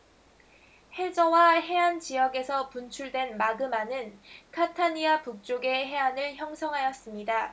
해저와 해안 지역에서 분출된 마그마는 카타니아 북쪽의 해안을 형성하였습니다